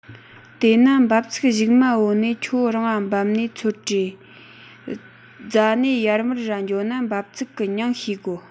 དེས ན འབབ ཚིགས གཞུག མ བོ ནས ཁྱོད བབས ན ཚོད དྲེས རྫ ནས ཡར མར ར འགྱོ ན འབབ ཚིགས གི མྱིང ཤེས དགོ